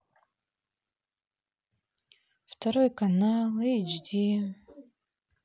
второй канал эйч ди